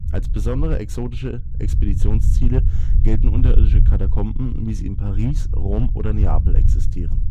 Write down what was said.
Als besonders exotische Expeditionsziele gelten unterirdische Katakomben wie sie in Paris, Rom oder Neapel existieren